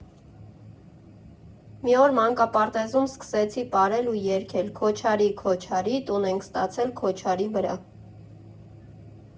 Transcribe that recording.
Մի օր մանկապարտեզում սկսեցի պարել ու երգել՝ «Քոչարի, քոչարի, տուն ենք ստացել Քոչարի վրա»։